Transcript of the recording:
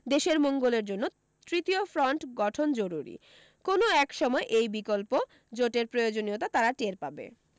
দেশের মঙ্গলের জন্য তৃতীয় ফরণ্ট গঠন জরুরি কোনও এক সময় এই বিকল্প জোটের প্রয়োজনীয়তা তারা টের পাবে